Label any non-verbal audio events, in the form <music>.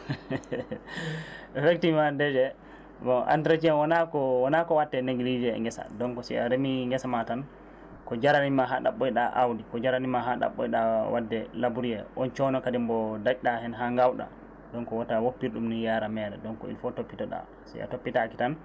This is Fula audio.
<laughs> mbiɗa weltin ma DG waw entretien wona ko wona ko watte néglisé e geesa donc si a reemi geesa ma tan ko jaranima ha ɗaɓɓoyɗa awdi ko jaranima ha ɗaɓɓoyɗa wadde labouré on coono kadi mo dañɗa heen ha gawɗa donc wota woppirɗum ni yaara meere donc il faut toppitoɗa s atoppitaki tan